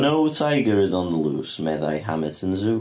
No tiger is on the loose meddai Hamerton Zoo.